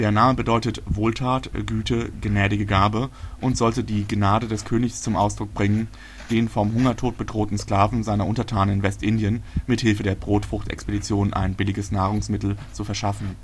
Name bedeutet „ Wohltat, Güte, gnädige Gabe “und sollte die „ Gnade “des Königs zum Ausdruck bringen, den vom Hungertod bedrohten Sklaven seiner Untertanen in Westindien mit Hilfe der Brotfrucht-Expedition ein billiges Nahrungsmittel zu verschaffen